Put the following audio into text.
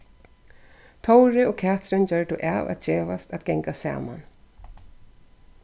tóri og katrin gjørdu av at gevast at ganga saman